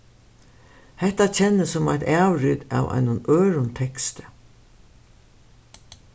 hetta kennist sum eitt avrit av einum øðrum teksti